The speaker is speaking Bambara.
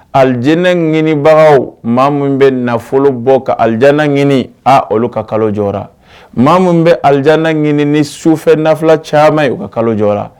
Alijana ɲinibagaw, maa minnu bɛ nafolo bɔ ka allah ɲini a olu ka kalo jɔ la, mɔgɔ min bɛ alijana ɲini ni su fɛ naafila caman u ka kalo jɔra